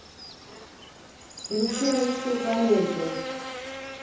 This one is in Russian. включи русскую комедию